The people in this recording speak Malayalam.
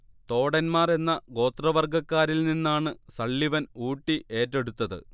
തോടൻമാർ എന്ന ഗോത്രവർഗക്കാരിൽ നിന്നാണ് സള്ളിവൻ ഊട്ടി ഏറ്റെടുത്തത്